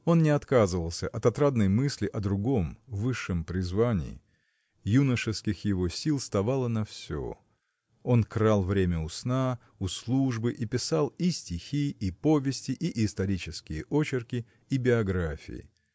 Он не отказывался от отрадной мысли о другом, высшем призвании. Юношеских его сил ставало на все. Он крал время у сна у службы и писал и стихи и повести и исторические очерки и биографии.